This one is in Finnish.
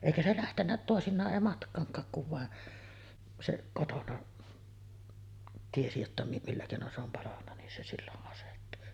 eikä se lähtenyt toisinaan ei matkaankaan kun vain se kotona tiesi jotta - millä keinoin se on palanut niin se silloin asettui